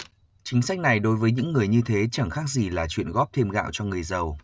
chính sách này đối với những người như thế chẳng khác gì là chuyện góp thêm gạo cho người giàu